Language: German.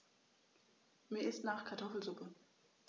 Mir ist nach Kartoffelsuppe.